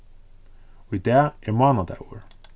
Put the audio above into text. í dag er mánadagur